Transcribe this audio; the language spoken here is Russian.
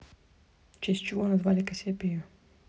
в честь чего назвали кассиопею